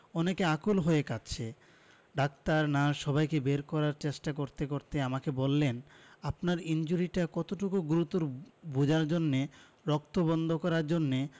অনেকে আকুল হয়ে কাঁদছে ডাক্তার নার্স সবাইকে বের করার চেষ্টা করতে করতে আমাকে বললেন আপনার ইনজুরিটা কতটুকু গুরুতর বোঝার জন্যে রক্ত বন্ধ করার জন্যে